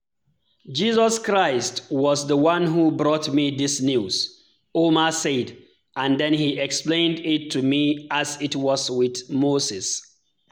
Jesus Christ was the one who brought me this news, Ouma said, and then he explained it to me as it was with Moses.